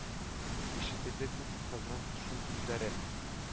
Ишетелде күк кызының шул сүзләре: